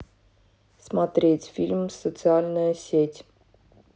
смотреть фильм социальная сеть